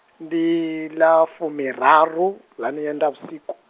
ndiḽa fumiraru, ḽa nyendavhusiku.